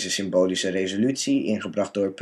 symbolische resolutie, ingebracht door